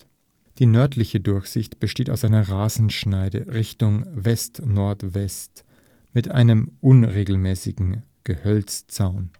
Die Nördliche Durchsicht besteht aus einer Rasenschneise Richtung Westnordwest mit einem unregelmäßigen Gehölzsaum